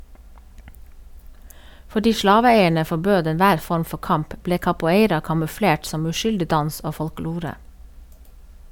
Fordi slaveeierne forbød enhver form for kamp, ble capoeira kamuflert som uskyldig dans og folklore.